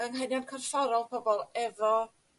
anghenion corfforol pobol efo